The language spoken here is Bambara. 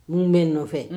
Mun be n nɔfɛ.